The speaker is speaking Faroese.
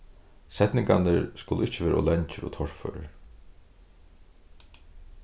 setningarnir skulu ikki vera ov langir og torførir